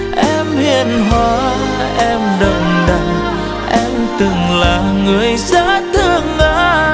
em hiền hòa em đậm đà em từng là người rất thương anh